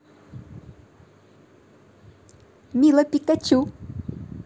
мила пикачу